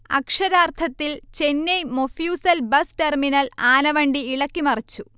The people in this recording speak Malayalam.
അക്ഷരാർഥത്തിൽ ചെന്നൈ മൊഫ്യൂസൽ ബസ് ടെർമിനൽ ആനവണ്ടി ഇളക്കി മറിച്ചു